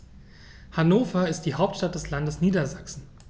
Hannover ist die Hauptstadt des Landes Niedersachsen.